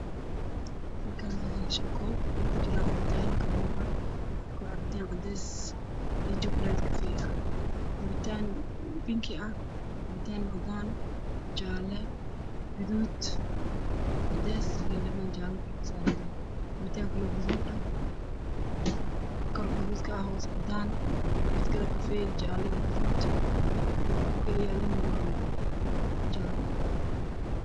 Halkaan waxaa yaalo shan koob oo kujiraan cabitaano kala duwan cabitaan cadeys iyo jukuleed kafay ah, cabitaan bingi ah, mid cadaan ah, mid jaale ah iyo gaduud oo liindhanaan kor kasaaran tahay, mid gaduud ah hoosna kafay ka ah, dhulka ay yaaliin waa jaale.